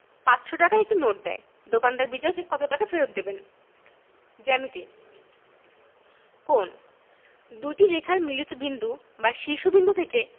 ৫০০ টাকার একটি নোট দেয় দোকানদার বিজয়কে কত টাকা ফেরত দেবেন জ্যামিতিঃ কোণঃ দুইটি রেখার মিলিত বিন্দু বা শীর্ষ বিন্দু থেকে